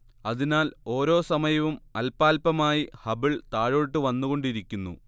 അതിനാൽ ഓരോ സമയവും അല്പാല്പമായി ഹബിൾ താഴോട്ടു വന്നുകൊണ്ടിരിക്കുന്നു